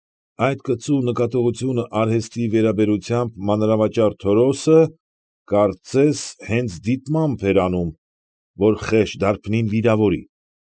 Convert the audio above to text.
Այդ կծու նկատողությունը արհեստի վերաբերությամբ մանրավաճառ Թորոսը, կարծես, հենց դիտմամբ էր անում, որ խեղճ դարբնին վիրավորի։